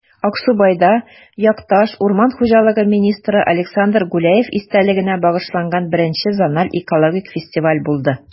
Аксубайда якташ, урман хуҗалыгы министры Александр Гуляев истәлегенә багышланган I зональ экологик фестиваль булды